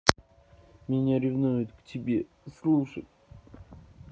меня ревнует к тебе слушать